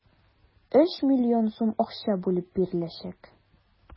3 млн сум акча бүлеп биреләчәк.